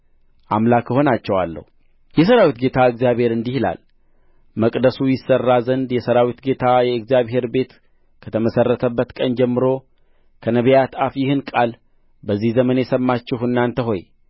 አምላክ እሆናቸዋለሁ የሠራዊት ጌታ እግዚአብሔር እንዲህ ይላል መቅደሱ ይሠራ ዘንድ የሠራዊት ጌታ የእግዚአብሔር ቤት ከተመሠረተበት ቀን ጀምሮ ከነቢያት አፍ ይህን ቃል በዚህ ዘመን የሰማችሁ እናንተ ሆይ